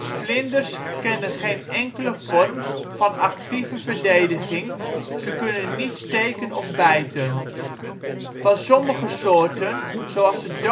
Vlinders kennen geen enkele vorm van actieve verdediging, ze kunnen niet steken of bijten. Van sommige soorten, zoals de doodshoofdvlinder